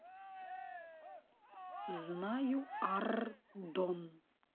знаю app дон